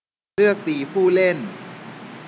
เลือกตีผู้เล่น